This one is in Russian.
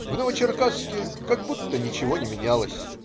В Новочеркасске как будто ничего не менялось.